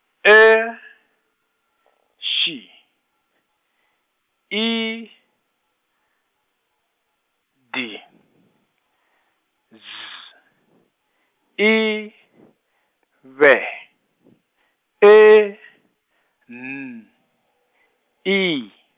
E X I D Z I V E N I.